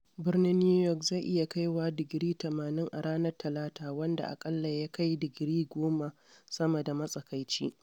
Birnin New York zai iya kai wa digiri 80 a ranar Talata, wanda aƙalla ya kai digiri 10 sama da matsakaici.